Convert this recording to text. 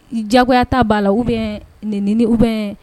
Jagoya ta' la u bɛ nini u bɛ